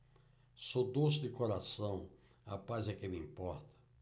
sou doce de coração a paz é que me importa